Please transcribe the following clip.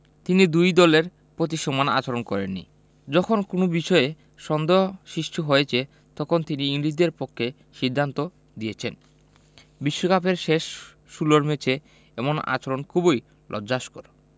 তিনি দুই দলের প্রতি সমান আচরণ করেননি যখন কোনো বিষয়ে সন্দেহের সৃষ্টি হয়েছে তখনই তিনি ইংলিশদের পক্ষে সিদ্ধান্ত দিয়েছেন বিশ্বকাপের শেষ ষোলর ম্যাচে এমন আচরণ খুবই লজ্জাস্কর